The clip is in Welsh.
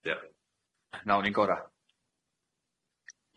'Nawn ni'n gora'.